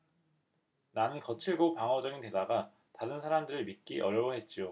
나는 거칠고 방어적인 데다가 다른 사람들을 믿기 어려워했지요